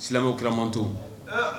Silamɛmɛkmant